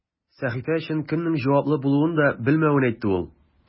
Сәхифә өчен кемнең җаваплы булуын да белмәвен әйтте ул.